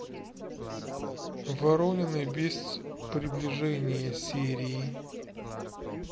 воронины без приближения серии